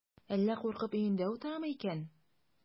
Әллә куркып өендә утырамы икән?